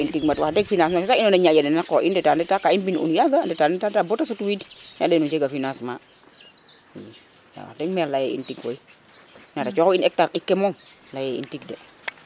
xa a leye in tig mat wax deg financement fe sax ina ñaƴa nana qox in ndeta ka i mbin un yaaga i ndet ndeta bata sut wid i ande nu njega financement waw wax deg maire leye in tig yate cox na in hectare ɗik ke moom leye intig